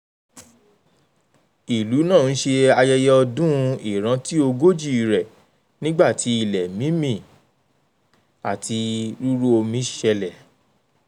Ìlú náà ń ṣe ayẹyẹ ọdún ìrántí ogójì rẹ̀ Nígbà tí ilẹ̀ mímì àti rúrú omi ṣẹlẹ̀.